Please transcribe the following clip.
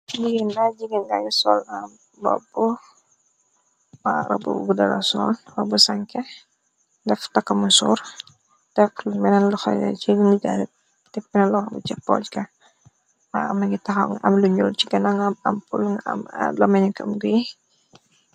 Lige na jiga ngañu sol a bobwarab gu deloson wabu sanke def takamu sur tex lu menen loxale ci lini gareb teppine loxobu ca pojka ma ama ngi taxang am lu ñul ci gana nga am pul nga a la menu kam gu